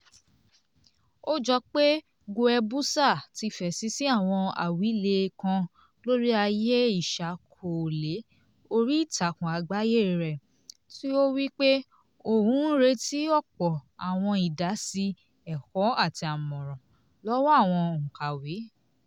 Ó jọ pé Guebuza ti fèsì sí àwọn àwílé kan lórí àyè ìṣàkọọ́lẹ̀ oríìtakùn àgbáyé rẹ, tí ó wí pé òun ń retí ọ̀pọ̀ "àwọn ìdásí, ẹ̀kọ́ àti àmọ̀ràn" lọ́wọ́ àwọn òǹkàwé.